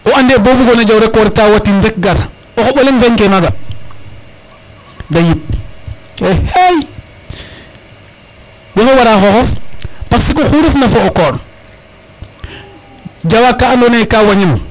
o ande bo bugona jew rek ko reta watin rek gar o xoɓoleŋ feñ ke maga de yip e xe waxey wara xoxof parce que oxu refna fo o koor jawa ka andonaye ka wañan